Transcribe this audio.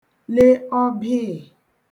le ọbịị̀